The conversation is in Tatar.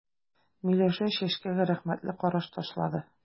Миләүшә Чәчкәгә рәхмәтле караш ташлады.